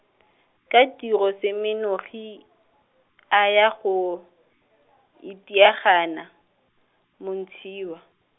ka tiro Semenogi , a ya go , itaagana Montshiwa.